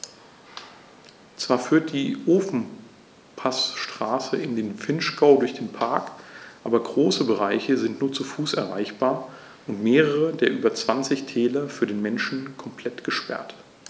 Zwar führt die Ofenpassstraße in den Vinschgau durch den Park, aber große Bereiche sind nur zu Fuß erreichbar und mehrere der über 20 Täler für den Menschen komplett gesperrt.